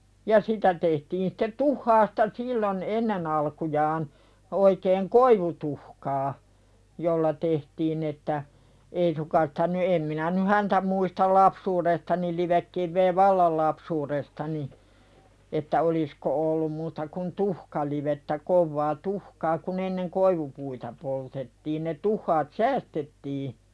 ja sitä tehtiin sitten tuhkasta silloin ennen alkujaan oikein koivutuhkaa jolla tehtiin että ei suinkaan sitä nyt en minä nyt häntä muista lapsuudestani livekiveä vallan lapsuudestani että olisiko ollut muuta kuin tuhkalivettä kovaa tuhkaa kun ennen koivupuita poltettiin ne tuhkat säästettiin